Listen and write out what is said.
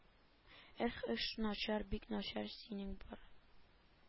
Эх эш начар бик начар синең брат